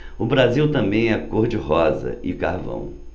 o brasil também é cor de rosa e carvão